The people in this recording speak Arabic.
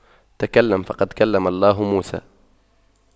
تكلم فقد كلم الله موسى